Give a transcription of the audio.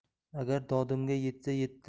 agar dodimga yetsa yetdi